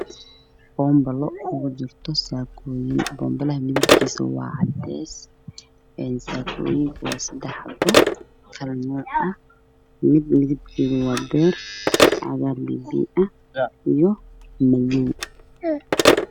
Waa boonbalo waxaa kujiro saakooyin, boonbaluhu waa cadaan, saakooyinku waa seddex xabo oo kala nuuc ah mid waa beer cagaar biyo biyo ah iyo madow.